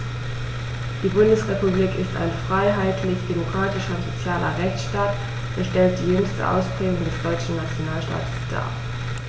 Die Bundesrepublik ist ein freiheitlich-demokratischer und sozialer Rechtsstaat und stellt die jüngste Ausprägung des deutschen Nationalstaates dar.